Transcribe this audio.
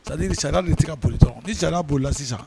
Sadi sariya ni tɛ ka boli tɔn ni sariya boli la sisan